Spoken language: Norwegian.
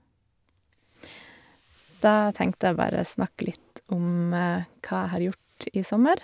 Da tenkte jeg bare snakke litt om hva jeg har gjort i sommer.